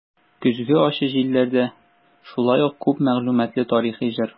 "көзге ачы җилләрдә" шулай ук күп мәгълүматлы тарихи җыр.